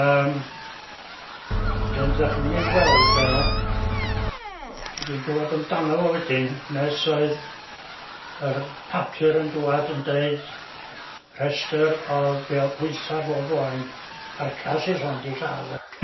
Yym wedyn 'da chi'm yn i weld o dwi'n dŵad amdano fo wedyn nes oedd yr papur yn dŵad yn deud rhesr o be- o pwysa bob oen carcas sydd rŵan di lladd de.